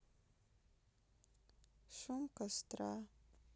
шум костра